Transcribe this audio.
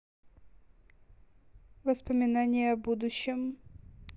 воспоминания о будущем